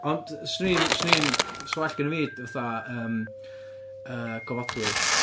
Ond 'swn i'n 'swn i'n... 'sa well gena fi fatha yym ... yy gofodwyr.